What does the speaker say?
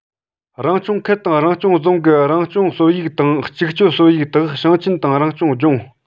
རང སྐྱོང ཁུལ དང རང སྐྱོང རྫོང གི རང སྐྱོང སྲོལ ཡིག དང གཅིག སྤྱོད སྲོལ ཡིག དག ཞིང ཆེན དང རང སྐྱོང ལྗོངས